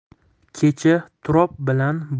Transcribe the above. kecha turob bilan